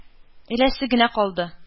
Эләсе генә калды.